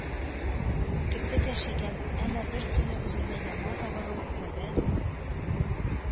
Көтеп яшәгән, әмма беркөнне үзенә яман авыру – ваба